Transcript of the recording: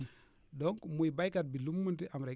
donc muy baykat bi lu mu munti am rek